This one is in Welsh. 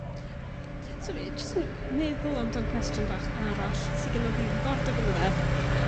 Sori j'st n- meddwl am dan cwestiwn bach arall sy gynnno fi ddiddordeb yno fe